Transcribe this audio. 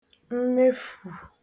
mmefù